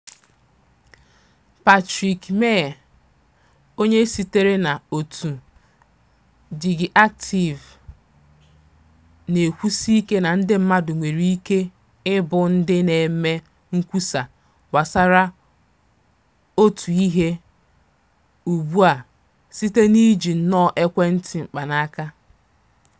Patrick Meier, onye sitere na otu DigiActive, na-ekwusike na ndị mmadụ nwere ike ịbụ ndị na-eme nkwusa gbasara otu ihe ugbu a site na iji nnọọ ekwentị mkpanaaka.